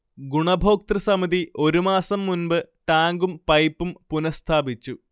ഗുണഭോക്തൃസമിതി ഒരുമാസം മുൻപ് ടാങ്കും പൈപ്പും പുനഃസ്ഥാപിച്ചു